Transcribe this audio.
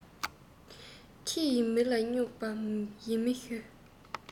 ཁྱི ཡིས མི ལ རྨྱུག པ ཡིན མི ཞུ